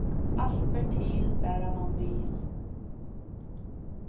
alt ber til bara mann vil